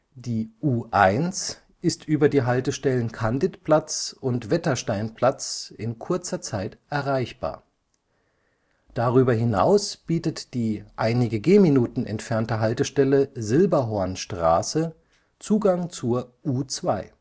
Die U1 ist über die Haltestellen Candidplatz und Wettersteinplatz in kurzer Zeit erreichbar. Darüber hinaus bietet die einige Gehminuten entfernte Haltestelle Silberhornstraße Zugang zur U2